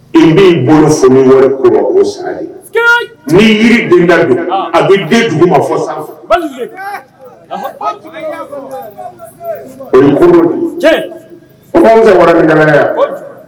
I bolo ko ni yiri don a bɛ dugu ma tɛ bɛ